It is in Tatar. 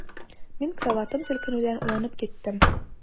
Мин караватым селкенүдән уянып киттем.